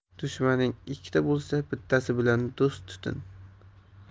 dushmaning ikkita bo'lsa bittasi bilan do'st tutin